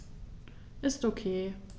Ist OK.